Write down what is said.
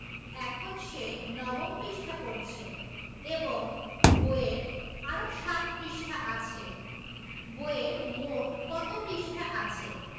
এখন সে নবম পৃষ্ঠা পড়ছে এবং বইয়ে আরও ৭ পৃষ্ঠা আছে বইয়ে মোট কত পৃষ্ঠা আছে